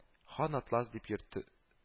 Хан-атлас дип йөртө